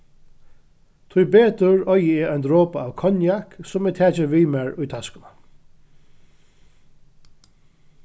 tíbetur eigi eg ein dropa av konjak sum eg taki við mær í taskuna